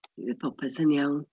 Fydd popeth yn iawn.